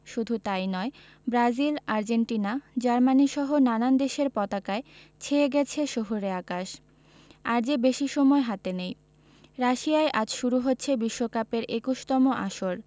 শুধু তা ই নয় ব্রাজিল আর্জেন্টিনা জার্মানিসহ নানান দেশের পতাকায় ছেয়ে গেছে শহুরে আকাশ আর যে বেশি সময় হাতে নেই রাশিয়ায় আজ শুরু হচ্ছে বিশ্বকাপের ২১তম আসর